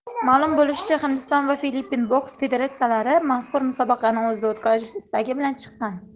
ma'lum bo'lishicha hindiston va filippin boks federatsiyalari mazkur musobaqani o'zida o'tkazish istagi bilan chiqqan